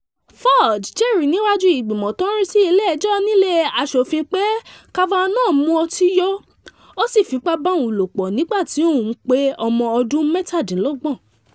Ford jẹ́rìí níwájú ìgbìmọ̀ tó ń rí sí ilé ẹjọ́ nílé Aṣòfin pé Kavanaugh mú ọtí yó, ó sì fipá bá òun lòpọ̀ nígbà tí òun pé ọmọ ọdún mẹ́tàdínlógún.